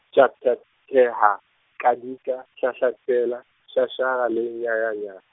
Pjhapjhatheha, qadika, hlahlathela, shashara le nyayanyaya.